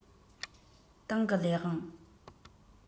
ཏང གི ལས དབང